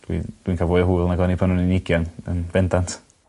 dwi dwi'n ca'l fwy o hwyl nag o'n i pan o'n i'n ugian yn bendant.